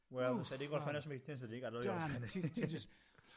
Wel fysai 'di gorffen ers meitin sa di'n gadel fi orffen .